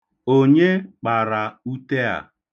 Onye kpara ute a?